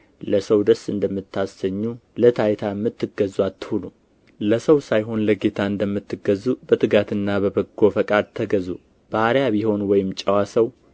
ለሰው ደስ እንደምታሰኙ ለታይታ የምትገዙ አትሁኑ ለሰው ሳይሆን ለጌታ እንደምትገዙ በትጋትና በበጎ ፈቃድ ተገዙ ባሪያ ቢሆን ወይም ጨዋ ሰው